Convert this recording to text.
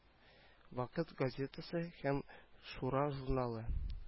Вакыт газетасы һәм шура журналы